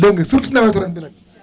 dégg nga surtout nawetu ren bi nag